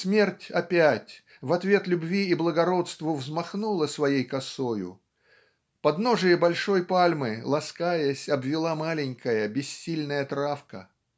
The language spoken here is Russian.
смерть опять, в ответ любви и благородству, взмахнула своей косою. Подножие большой пальмы ласкаясь обвила маленькая бессильная травка.